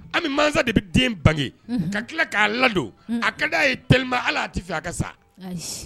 An bɛ masa de bɛ den bange ka tila k'a ladon a ka da yeba ala tɛ fɛ a ka sa